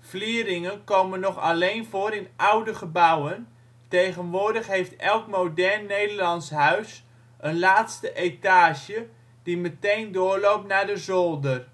Vlieringen komen nog alleen voor in oude gebouwen, tegenwoordig heeft elk modern Nederlands huis een laatste etage die meteen doorloopt naar de zolder